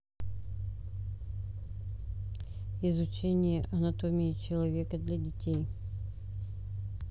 изучение анатомии человека для детей